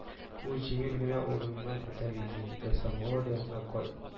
Ул җиңел генә урыныннан күтәрелде дә самавыр янында кай